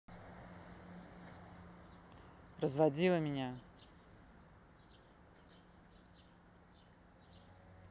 разводила меня